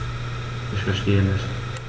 Ich verstehe nicht.